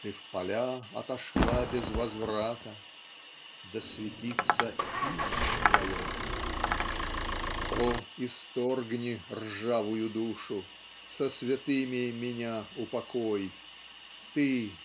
Ты в поля отошла без возврата. Да святится имя Твое! . О исторгни ржавую душу Со святыми меня упокой Ты